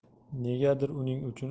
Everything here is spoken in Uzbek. negadir uning uchun